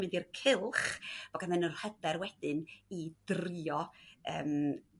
mynd i'r cylch fod gandden n'w yr hyder wedyn i drio yym